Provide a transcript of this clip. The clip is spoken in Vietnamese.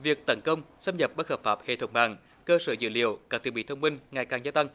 việc tấn công xâm nhập bất hợp pháp hệ thống mạng cơ sở dữ liệu các thiết bị thông minh ngày càng gia tăng